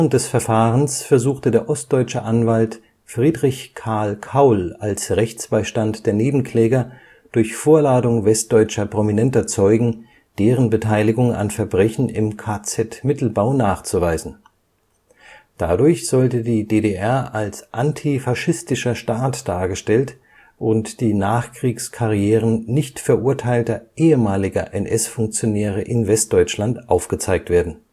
des Verfahrens versuchte der ostdeutsche Anwalt Friedrich Karl Kaul als Rechtsbeistand der Nebenkläger durch Vorladung westdeutscher prominenter Zeugen deren Beteiligung an Verbrechen im KZ Mittelbau nachzuweisen. Dadurch sollte die DDR als antifaschistischer Staat dargestellt und die Nachkriegskarrieren nicht verurteilter ehemaliger NS-Funktionäre in Westdeutschland aufgezeigt werden